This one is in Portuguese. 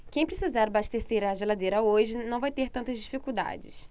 quem precisar abastecer a geladeira hoje não vai ter tantas dificuldades